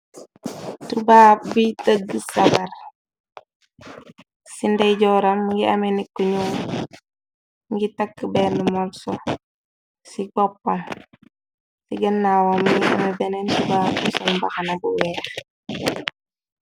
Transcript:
Tuba biy dëgg sabar ci ndey jooram ngi ame niku ñoo ngi takk benn momso ci boppam ci gennaawa mi ami beneen tuba kusol mbaxana bu weer.